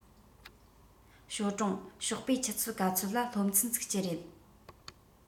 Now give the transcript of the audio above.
ཞའོ ཀྲུང ཞོགས པའི ཆུ ཚོད ག ཚོད ལ སློབ ཚན ཚུགས ཀྱི རེད